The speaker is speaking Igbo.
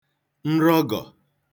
nrọgọ̀